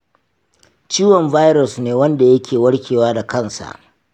ciwon virus ne wanda yake warkewa da kansa.